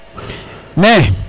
me